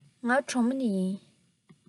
ང གྲོ མོ ནས ཡིན